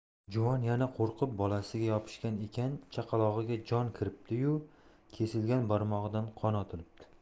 juvon yana qo'rqib bolasiga yopishgan ekan chaqalog'iga jon kiribdi yu kesilgan barmog'idan qon otilibdi